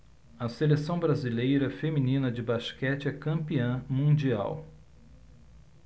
a seleção brasileira feminina de basquete é campeã mundial